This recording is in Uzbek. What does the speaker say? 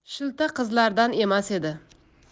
shilta qizlardan emas edi